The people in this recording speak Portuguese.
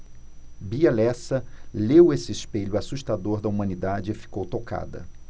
bia lessa leu esse espelho assustador da humanidade e ficou tocada